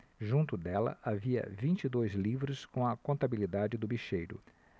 junto dela havia vinte e dois livros com a contabilidade do bicheiro